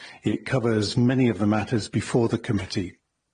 It covers many of the matters before the committee.